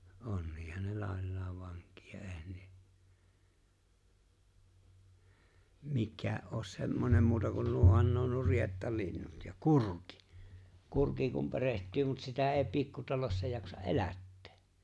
onkinhan ne laillaan vankia eihän ne mikään ole semmoinen muuta kuin nuohan nuo on nuo riettalinnut ja kurki kurki kun perehtyy mutta sitä ei pikkutalossa jaksa elättää